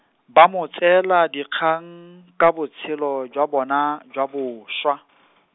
ba mo tseela dikgang ka botshelo jwa bona jwa bošwa.